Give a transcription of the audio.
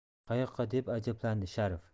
qayoqqa deb ajablandi sharif